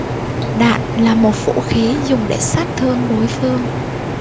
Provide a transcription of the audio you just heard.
đạn là một loại vũ khí dùng để sát thương đối phương